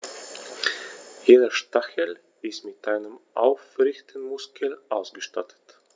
Jeder Stachel ist mit einem Aufrichtemuskel ausgestattet.